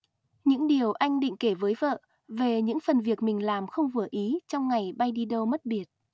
những điều anh định kể với vợ về những phần việc mình làm không vừa ý trong ngày bay đi đâu mất biệt